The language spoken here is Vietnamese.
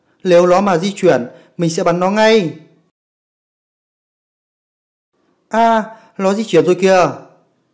nếu nó mà di chuyển mình sẽ bắn nó ngay a nó di chuyển rồi kìa